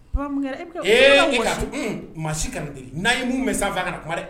Maa si kanu ten n'a ye mun mɛn san ka na koɛ dɛ